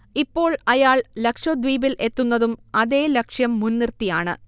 ഇപ്പോൾ അയാൾ ലക്ഷദ്വീപിൽ എത്തുന്നതും അതേ ലക്ഷ്യം മുൻനിർത്തിയാണ്